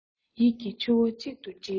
ཡིད ཀྱི ཆུ བོ གཅིག ཏུ འདྲེས པའི